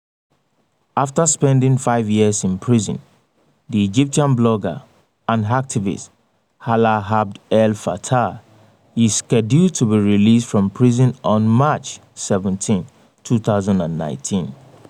After spending five years in prison, the Egyptian blogger and activist Alaa Abd El Fattah is scheduled to be released from prison on March 17, 2019.